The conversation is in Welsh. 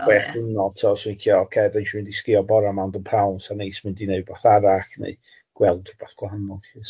Chwech diwrnod tibod sa fi'n licio ocê dwi isio mynd i sgïo bore yma ond yn pnawn sa'n neis mynd i neud wbath arall neu gweld rwbath gwahanol lly so.